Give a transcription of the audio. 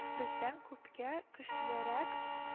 Бездән күпкә көчлерәк